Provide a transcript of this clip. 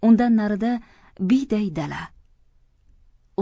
undan narida biyday dala